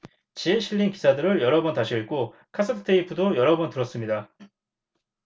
지에 실린 기사들을 여러 번 다시 읽고 카세트테이프도 여러 번 들었습니다